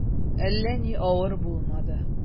Әллә ни авыр булмады.